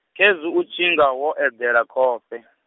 khezwi u tshinga, wo eḓela khofhe ?